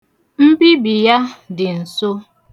Mbibi ya dị nso.